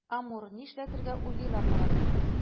Амур, нишләтергә уйлыйлар алар безне?